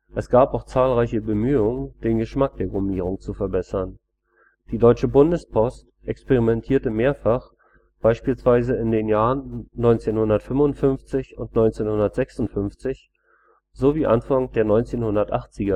Es gab auch zahlreiche Bemühungen, den Geschmack der Gummierung zu verbessern. Die Deutsche Bundespost experimentierte mehrfach, beispielsweise in den Jahren 1955 und 1956 sowie Anfang der 1980er